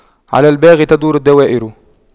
على الباغي تدور الدوائر